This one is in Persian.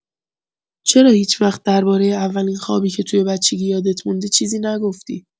چرا هیچ‌وقت دربارۀ اولین خوابی که توی بچگی یادت مونده، چیزی نگفتی؟